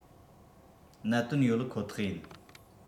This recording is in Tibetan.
གནད དོན ཡོད ཁོ ཐག ཡིན